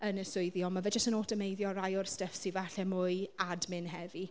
yn y swyddi. Ond ma' fe jyst yn awtomeiddio rai o'r stuff sydd falle mwy admin heavy.